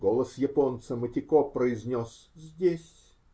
Голос японца Матико произнес: "Здесь".